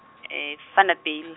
e- Vanderbijl.